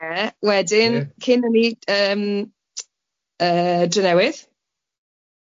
Ie, wedyn, cyn hynny yym yy Drenewydd.